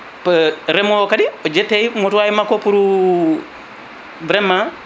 reemowo kadi o jettay motuway makko pour vraiment